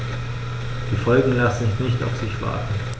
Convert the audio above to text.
Die Folgen lassen nicht auf sich warten.